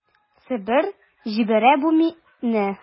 Себер җибәрә бу мине...